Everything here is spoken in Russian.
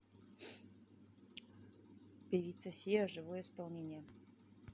певица sia живое исполнение